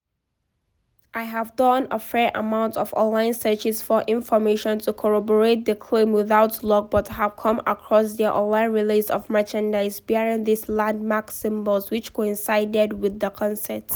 I have done a fair amount of online searches for information to corroborate the claim without luck but have come across their online release of merchandise bearing these landmark symbols, which coincided with the concert...